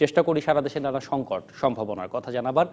চেষ্টা করি নানা দেশের নানা সংকট সম্ভাবনার কথা জানাবার